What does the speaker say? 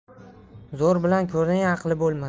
zo'r bilan ko'rning aqli bo'lmas